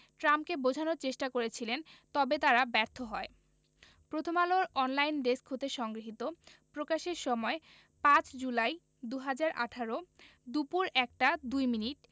ট্রাম্পকে বোঝানোর চেষ্টা করছিলেন তবে তারা ব্যর্থ হয় প্রথমআলোর অনলাইন ডেস্ক হতে সংগৃহীত প্রকাশের সময় ৫ জুলাই ২০১৮ দুপুর ১টা ২মিনিট